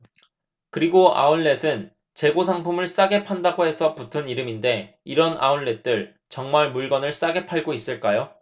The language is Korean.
그리고 아웃렛은 재고 상품을 싸게 판다고 해서 붙은 이름인데 이런 아웃렛들 정말 물건을 싸게 팔고 있을까요